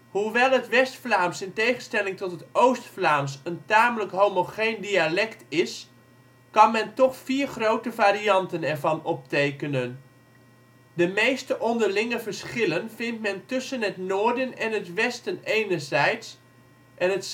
het West-Vlaams, in tegenstelling tot het Oost-Vlaams, een tamelijk homogeen dialect is, kan men toch vier grote varianten ervan optekenen. De meeste onderlinge verschillen vindt men tussen het noorden en het westen enerzijds en het